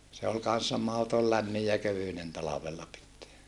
se oli kanssa mahdoton lämmin ja kevyinen talvella pitää